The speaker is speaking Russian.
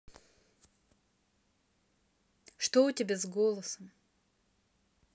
что у тебя с голосом